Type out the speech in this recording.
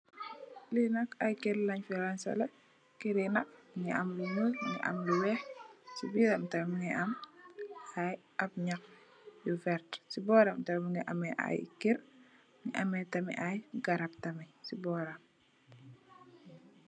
Lii nak aiiy kerr len fii raanzaleh, kerr yii nak njungy am lu njull, njungy am lu wekh, cii biram tamit mungy am aiiy ahb njahh yu vertue, cii bohram tamit mungy ameh aiiy kerr, mungy ameh tamit aiiy garab tamit cii bohram.